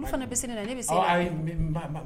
Ne fana bɛ na ne